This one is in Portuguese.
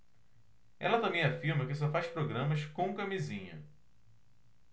ela também afirma que só faz programas com camisinha